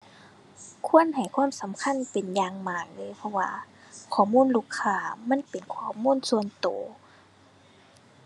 ควรให้ความสำคัญเป็นอย่างมากเลย เพราะว่าข้อมูลลูกค้ามันเป็นข้อมูลส่วนตัว